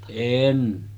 en